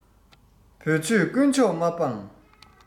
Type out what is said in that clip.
བོད ཆོས དཀོན མཆོག མ སྤངས